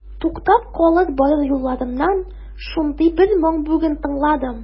Туктап калып барыр юлларымнан шундый бер моң бүген тыңладым.